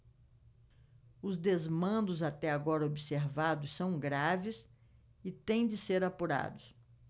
os desmandos até agora observados são graves e têm de ser apurados